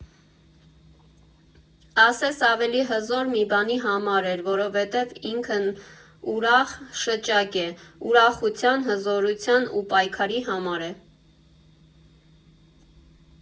Ասես, ավելի հզոր մի բանի համար էր, որովհետև ինքն ուրախ շչակ է, ուրախության, հզորության ու պայքարի համար է։